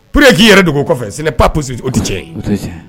Pourque k'i yɛrɛ dogo o kɔfɛ ce n'est pas possible o ti tiɲɛ ye o te tiɲɛ ye